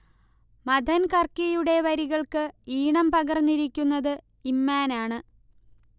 മഥൻ കർക്കിയുടെ വരികൾക്ക് ഈണം പകർന്നിരിക്കുന്നത് ഇമ്മാനാണ്